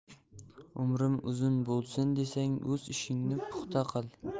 umrim uzun bo'lsin desang o'z ishingni puxta qil